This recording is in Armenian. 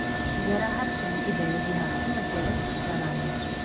Եռահարկ շենքի վերևի հարկում էլ «Վերև» սրճարանն էր։